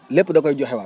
lépp da koy joxewaat